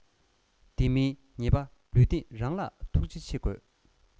དེ མིན ཉེས པ ལུས སྟེང རང ལ ཐུགས རྗེ ཆེ དགོས